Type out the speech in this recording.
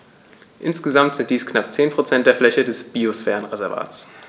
Insgesamt sind dies knapp 10 % der Fläche des Biosphärenreservates.